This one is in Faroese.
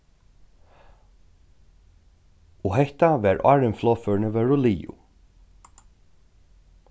og hetta var áðrenn flogførini vóru liðug